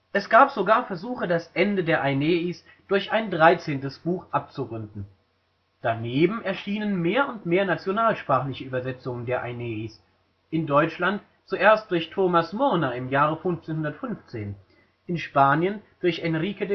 Es gab sogar Versuche, das Ende der Aeneis durch ein dreizehntes Buch abzurunden. Daneben erschienen mehr und mehr nationalsprachliche Übersetzungen der Aeneis, in Deutschland zuerst durch Thomas Murner im Jahr 1515, in Spanien durch Enrique